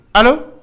A